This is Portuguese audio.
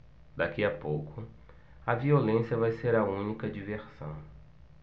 daqui a pouco a violência vai ser a única diversão